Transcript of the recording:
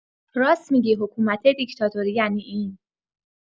راست می‌گی حکومت دیکتاتوری یعنی این